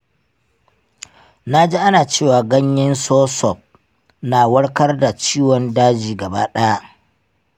na ji ana cewa ganyen soursop na warkar da ciwion daji gaba ɗaya.